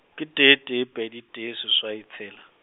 ke tee tee pedi tee seswai tshela.